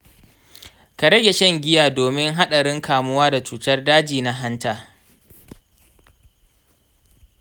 ka rage shan giya domin hadarin kamuwa da cutar daji na hanta.